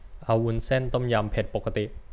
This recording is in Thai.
เอาวุ้นเส้นต้มยำเผ็ดปกติ